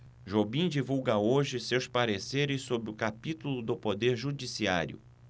jobim divulga hoje seus pareceres sobre o capítulo do poder judiciário